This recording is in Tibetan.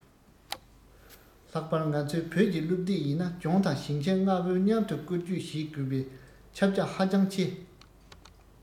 ལྷག པར ང ཚོའི བོད ཀྱི སློབ དེབ ཡིན ན ལྗོངས དང ཞིང ཆེན ལྔ བོས མཉམ དུ བཀོལ སྤྱོད བྱེད དགོས པས ཁྱབ རྒྱ ཧ ཅང ཆེ